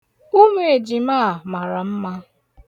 Ụmụ ejima a mara mma.